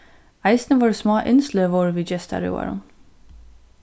eisini vóru smá innsløg vóru við gestarøðarum